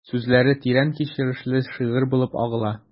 Сүзләре тирән кичерешле шигырь булып агыла...